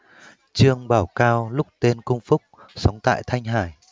trương bảo cao lúc tên cung phúc sống tại thanh hải